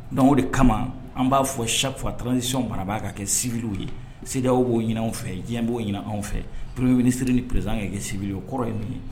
Donc o de kama an b'a fɔ chaque fois transition marabaa ka kɛ civil u ye CDEAO b'o ɲinin'anw fɛ diɲɛ b'o ɲinin anw fɛ premier ministre ni président ka kɛ civil ye o kɔrɔ ye min ye